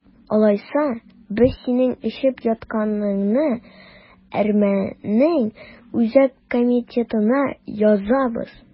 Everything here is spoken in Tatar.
Алайса, без синең эчеп ятканыңны әрмәннең үзәк комитетына язабыз!